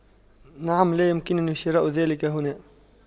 نعم لا يمكنني شراء ذلك هنا